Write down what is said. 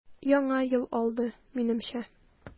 Яңа ел алды, минемчә.